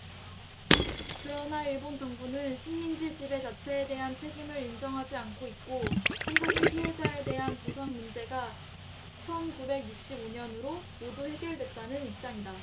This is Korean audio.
그러나 일본 정부는 식민지 지배 자체에 대한 책임을 인정하지 않고 있고 한국인 피해자에 대한 보상 문제가 천 구백 육십 오 년으로 모두 해결됐다는 입장이다